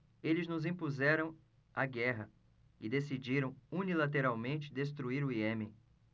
eles nos impuseram a guerra e decidiram unilateralmente destruir o iêmen